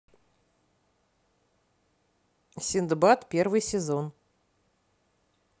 синдбад первый сезон